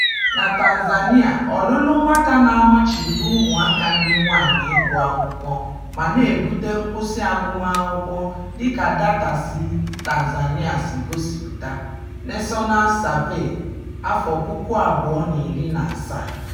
Na Tanzania, ọlụlụ nwata na-amachibido ụmụaka ndị nwaanyị ịgu akwụkwọ ma na-ebute nkwụsị agụmakwụkwọ, dị ka data si Tanzania si gosipụta (National Survey,2017).